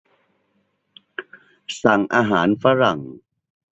สั่งอาหารฝรั่ง